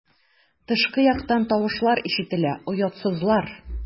Тышкы яктан тавышлар ишетелә: "Оятсызлар!"